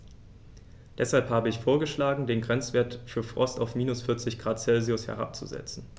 Deshalb habe ich vorgeschlagen, den Grenzwert für Frost auf -40 ºC herabzusetzen.